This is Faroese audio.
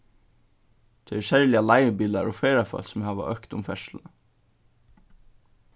tað eru serliga leigubilar og ferðafólk sum hava økt um ferðsluna